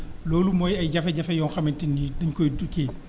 loolu mooy ay jefe-jafe yoo xamante ni duñ koy tukkee